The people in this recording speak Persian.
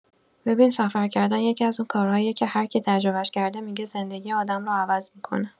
ببین، سفر کردن یکی‌از اون کارهاییه که هر کی تجربه‌اش کرده می‌گه زندگی آدم رو عوض می‌کنه.